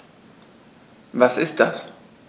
Was ist das?